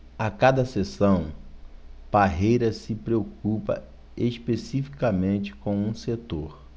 a cada sessão parreira se preocupa especificamente com um setor